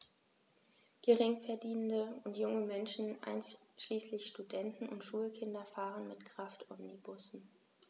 Geringverdienende und junge Menschen, einschließlich Studenten und Schulkinder, fahren mit Kraftomnibussen.